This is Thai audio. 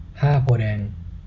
ห้าโพธิ์แดง